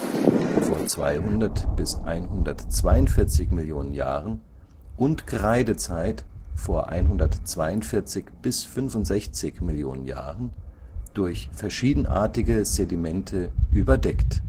vor 200 – 142 Millionen Jahren) und Kreidezeit (vor 142 – 65 Millionen Jahren) durch verschiedenartige Sedimente überdeckt